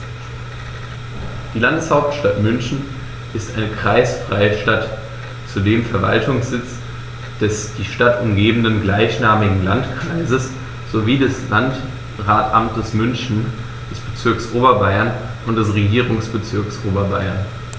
Die Landeshauptstadt München ist eine kreisfreie Stadt, zudem Verwaltungssitz des die Stadt umgebenden gleichnamigen Landkreises sowie des Landratsamtes München, des Bezirks Oberbayern und des Regierungsbezirks Oberbayern.